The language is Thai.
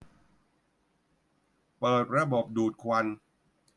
เปิดระบบดูดควัน